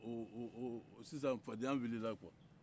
ɔɔɔ sisan fadenya wulila kuwa